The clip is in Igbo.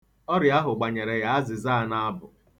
Ọrịa ahụ gbanyere ya azịzịaa n'abụ.